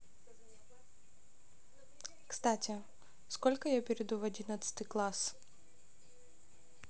кстати сколько я перейду в одиннадцатый класс